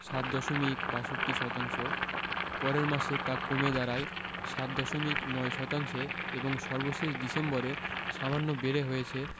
৭ দশমিক ৬২ শতাংশ পরের মাসে তা কমে দাঁড়ায় ৭ দশমিক ০৯ শতাংশে এবং সর্বশেষ ডিসেম্বরে সামান্য বেড়ে হয়েছে